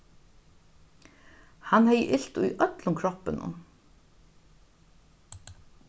hann hevði ilt í øllum kroppinum